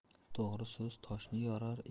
to'g'ri so'z toshni